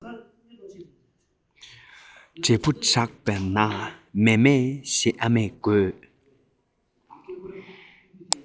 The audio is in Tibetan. འབྲས བུ བསྒྲགས པས ན མཱེ མཱེ ཞེས ཨ མ དགོད